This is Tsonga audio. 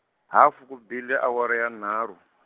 hafu ku bile awara ya nharhu .